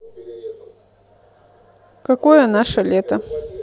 какое наше лето